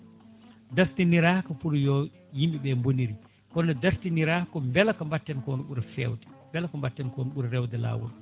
dartiniraka pour yo yimɓeɓe bonire kono dartinira beela ko mbatten ko ne ɓuura fewde beela ko batten ko ne ɓuura rewde lawol